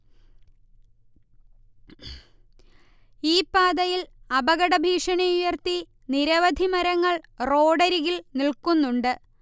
ഈപാതയിൽ അപകടഭീഷണിയുയർത്തി നിരവധി മരങ്ങൾ റോഡരികിൽ നിൽക്കുന്നുണ്ട്